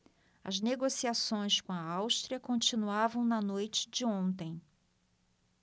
as negociações com a áustria continuavam na noite de ontem